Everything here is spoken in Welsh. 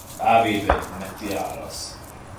A fi 'fyd. Methu aros